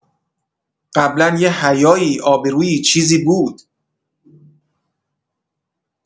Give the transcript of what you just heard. قبلا یه حیایی آبرویی چیزی بود